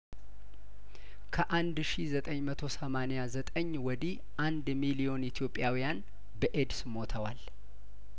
ከአንድ ሺ ዘጠኝ መቶ ሰማኒያዘጠኝ ወዲህ አንድ ሚሊዮን ኢትዮጵያውያን በኤድስ ሞተዋል